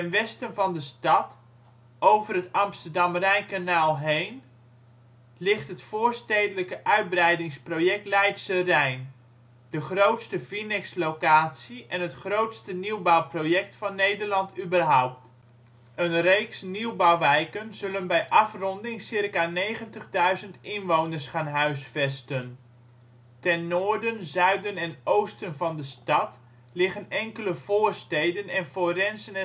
westen van de stad, ' over het Amsterdam-Rijnkanaal ' heen, ligt het voorstedelijke uitbreidingsproject Leidsche Rijn, de grootste Vinex-locatie en het grootste nieuwbouwproject van Nederland überhaupt. Een reeks nieuwbouwwijken zullen bij afronding ca. 90.000 inwoners gaan huisvesten. Ten noorden, zuiden en oosten van de stad liggen enkele voorsteden en forensen